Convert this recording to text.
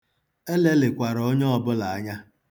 Elelịkwara onye ọbụla anya.